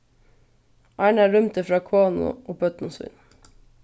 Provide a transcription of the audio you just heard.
arnar rýmdi frá konu og børnum sínum